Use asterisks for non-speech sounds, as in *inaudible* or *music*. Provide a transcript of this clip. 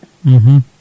*hesitation* *hesitation* o